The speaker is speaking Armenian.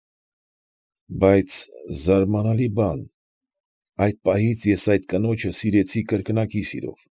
Բայց, զարմանալի բան, այդ պահից ես այդ կնոջը սիրեցի կրկնակի սիրով։